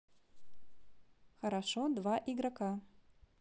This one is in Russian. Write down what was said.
хорошо два игрока